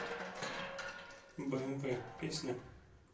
бмв песня